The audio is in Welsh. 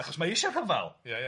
Achos mae e eisia rhyfal... Ia ia...